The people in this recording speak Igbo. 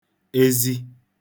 ezi